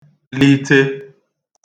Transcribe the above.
-lite